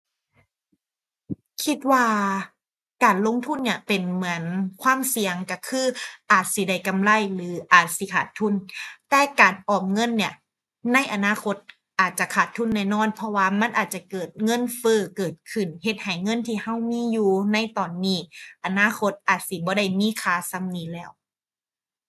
คิดว่า การลงทุนเนี่ยเป็นเหมือนความเสี่ยง ก็คืออาจสิได้กำไรหรืออาจสิขาดทุน แต่การออมเงินเนี่ย ในอนาคตอาจจะขาดทุนแน่นอน เพราะว่ามันอาจจะเกิดเงินเฟ้อเกิดขึ้น เฮ็ดให้เงินที่ก็มีอยู่ในตอนนี้ อนาคตอาจสิบ่ได้มีค่าส่ำนี้แล้ว